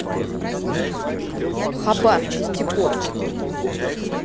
хабар чистяков